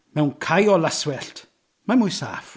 Mewn cae o laswellt, mae mwy saff.